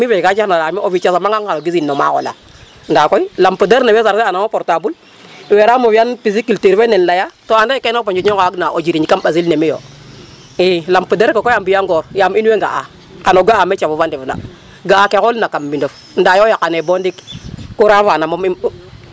Yaam mi xaye a carndala mi' o fiic a samanga xaye o gisin no maax ola ndaa koy lampe der le we charger anaam o portable weeraam o fi'an pisiculture fenem laya ande kene fop o njiriñ onqa waagna jiriñ ɓasil ne mi' yo ii .Lampe der ke koy a mbi'a ngoor yaam in mboy nga'aa, a xan o ga'aa me cafof a ndefna, ga a ke xolna kaam mbindof ndaa yo yaqanee bo ndik courant fa moom i mbugu.